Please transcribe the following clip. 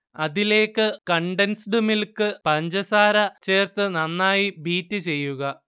അതിലേക്ക് condensed milk, പഞ്ചസാര ചേർത്ത് നന്നായി ബീറ്റ് ചെയ്യുക